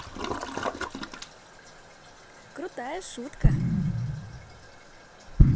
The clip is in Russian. крутая шутка